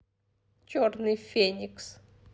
черный феникс